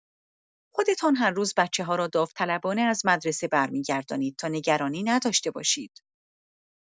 خودتان هر روز بچه‌ها را داوطلبانه از مدرسه برمی‌گردانید تا نگرانی نداشته باشید.